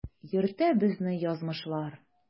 Йөртә безне язмышлар.